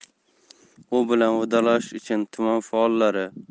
u bilan vidolashish uchun tuman faollari